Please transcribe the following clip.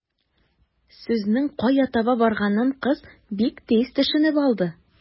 Сүзнең кая таба барганын кыз бик тиз төшенеп алды.